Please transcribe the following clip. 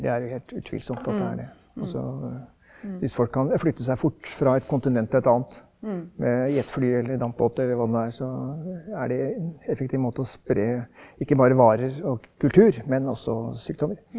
det er helt utvilsomt at det er det, altså hvis folk kan flytte seg fort fra et kontinent til et annet med jetfly eller dampbåt eller hva det nå er så er det en effektiv måte å spre, ikke bare varer og kultur, men også sykdommer.